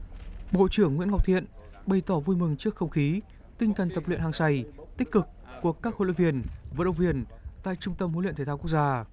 bộ trưởng nguyễn ngọc thiện bày tỏ vui mừng trước không khí tinh thần tập luyện hăng say tích cực của các huấn luyện viên vận động viên tại trung tâm huấn luyện thể thao quốc gia